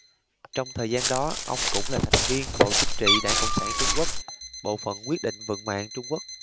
trong thời gian đó ông cũng là thành viên bộ chính trị đảng cộng sản trung quốc bộ phận quyết định vận mạng trung quốc